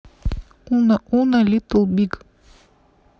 уно уно литл биг